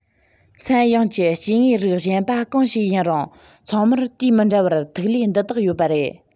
ཚན ཡོངས ཀྱི སྐྱེ དངོས རིགས གཞན པ གང ཞིག ཡིན རུང ཚང མར དུས མི འདྲ བར ཐིག ལེ འདི དག ཡོད པ རེད